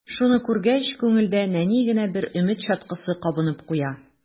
Шуны күргәч, күңелдә нәни генә бер өмет чаткысы кабынып куя.